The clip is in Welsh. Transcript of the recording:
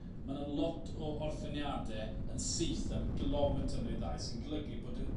ma' 'na lot o orffeniade yn syth am gilometyr neu ddau sy'n golygu bod y